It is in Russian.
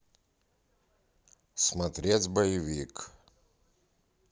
смотреть боевик